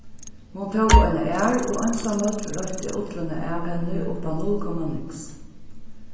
hon tók eina ær og einsamøll roytti ullina av henni upp á null komma niks